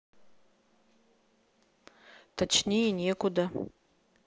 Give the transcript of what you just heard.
точнее некуда